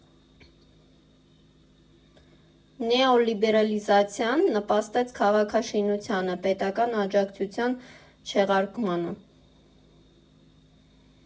Նեոլիբերալիզացիան նպաստեց քաղաքաշինությանը պետական աջակցության չեղարկմանը։